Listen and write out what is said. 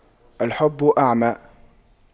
الحب أعمى